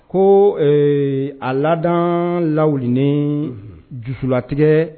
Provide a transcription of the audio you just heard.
Ko a laada lawulen Dusulatigɛ